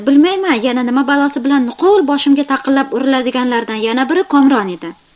bilmayman yana nima balosi bilan nuqul boshimga taqillab uriladiganlardan yana biri komron edi